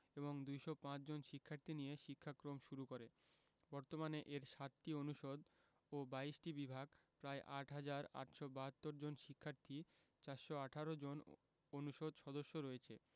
এবং ২০৫ জন শিক্ষার্থী নিয়ে শিক্ষাক্রম শুরু করে বর্তমানে এর ৭টি অনুষদ ও ২২টি বিভাগ প্রায় ৮ হাজার ৮৭২ জন শিক্ষার্থী ৪১৮ জন অনুষদ সদস্য রয়েছে